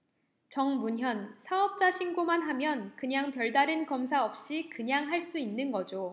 정문현 사업자 신고만 하면 그냥 별다른 검사 없이 그냥 할 수 있는 거죠